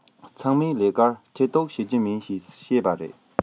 ཚང མའི ལས ཀར ཐེ གཏོགས བྱེད ཀྱི མིན ཟེར བཤད པ ཡིན